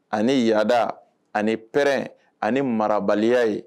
Ani yaada ani pɛ ani marabaliya ye